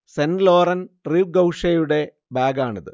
saint Laurent Rive ഗൌഷേയുടെ ബാഗാണ് ഇത്